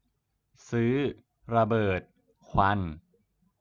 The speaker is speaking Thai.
ซื้อระเบิดควัน